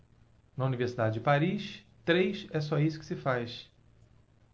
na universidade de paris três é só isso que se faz